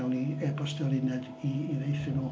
Wnawn ni ebostio'r uned i i ddeud wrthyn nhw.